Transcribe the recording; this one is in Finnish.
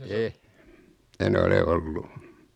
en en ole ollut